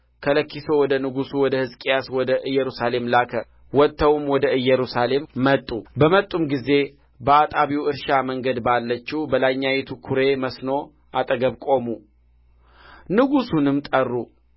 ከለኪሶ ወደ ንጉሡ ወደ ሕዝቅያስ ወደ ኢየሩሳሌም ላከ ወጥተውም ወደ ኢየሩሳሌም መጡ በመጡም ጊዜ በአጣቢው እርሻ መንገድ ባለችው በላይኛይቱ ኩሬ መስኖ አጠገብ ቆሙ ንጉሡንም ጠሩ